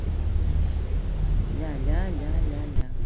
ля ля ля ля ля